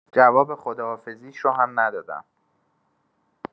جواب خداحافظیش رو هم ندادم.